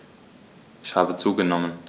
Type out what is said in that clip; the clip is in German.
Ich habe zugenommen.